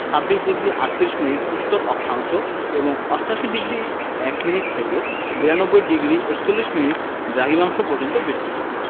২৬ degree ৩৮ minute উত্তর অক্ষাংশ এবং ৮৮ ডিগ্রি ০১ মিনিট থেকে ৯২ ডিগ্রি ৪১মিনিট দ্রাঘিমাংশ পর্যন্ত বিস্তৃত